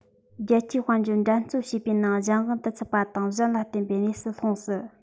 རྒྱལ སྤྱིའི དཔལ འབྱོར འགྲན རྩོད བྱེད པའི ནང གཞན དབང དུ ཚུད པ དང གཞན ལ བརྟེན པའི གནས སུ ལྷུང སྲིད